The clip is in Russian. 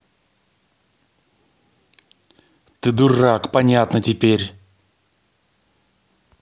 ты дурак понятно теперь